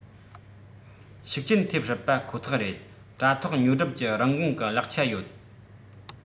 ཤུགས རྐྱེན ཐེབས སྲིད པ ཁོ ཐག རེད དྲ ཐོག ཉོ སྒྲུབ ཀྱི རིན གོང གི ལེགས ཆ ཡོད